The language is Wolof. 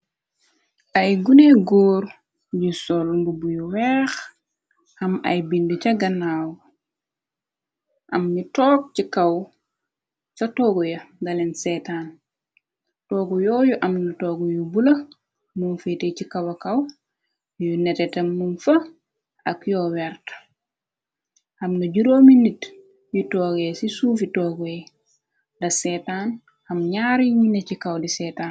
Ay gune góor yu sol mbubuyu weex am ay bindi ca ganaaw am ni toog i kaw ca toogu ya daleen seetaan toogu yooyu amna toogu yu bula mum fete ci kawa kaw yu nete te mum fa ak yoo wert amna juróomi nit yi toogoy ci suufi toogoye da seetan am ñyaari ñit ne ci kaw di setan.